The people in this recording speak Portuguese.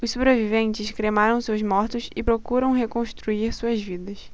os sobreviventes cremaram seus mortos e procuram reconstruir suas vidas